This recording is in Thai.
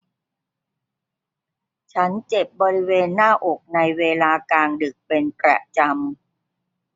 ฉันเจ็บบริเวณหน้าอกในเวลากลางดึกเป็นประจำ